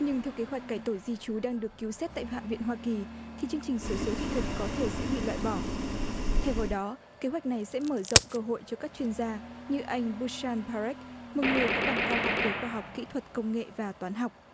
nhưng theo kế hoạch cải tổ di trú đang được cứu xét tại hạ viện hoa kỳ thì chương trình sự số thị thực có thể sẽ bị loại bỏ thay vào đó kế hoạch này sẽ mở rộng cơ hội cho các chuyên gia như anh bu san ba rách một người có bằng cao học về khoa học kĩ thuật công nghệ và toán học